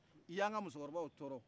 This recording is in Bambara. i y'anka musokɔrɔbaw tɔɔrɔ